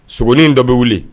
Sogoinn dɔ bɛ wuli.